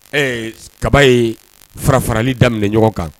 Ɛɛ kaba ye fara farali daminɛ ɲɔgɔn kan.